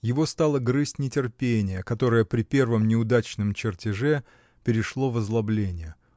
Его стало грызть нетерпение, которое, при первом неудачном чертеже, перешло в озлобление.